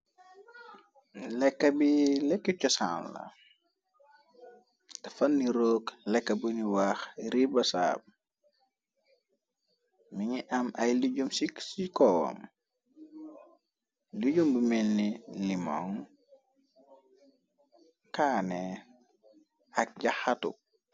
Lekka bi lekku cosaan la dafa ni roog lekka bunu waax ribasaab mi ngi am ay lijum ci koowam lujumbu melni ni moŋ kaanee ak jax xatu.